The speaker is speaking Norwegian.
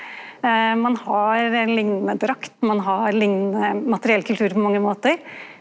ein har liknande drakt, ein har liknande materiell kultur på mange måtar.